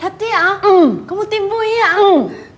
thật ý ạ có một tin vui ý ạ